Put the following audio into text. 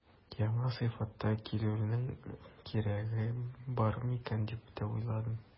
Яңа сыйфатта килүнең кирәге бар микән дип тә уйландым.